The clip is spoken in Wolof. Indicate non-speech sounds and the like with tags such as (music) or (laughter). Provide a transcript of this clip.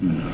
(hesitation) (hesitation)